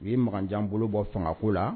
U ye makanjan bolo bɔ fangako la